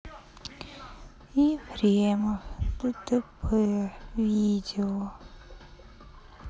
ефремов дтп видео